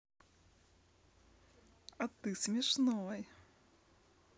а ты смешной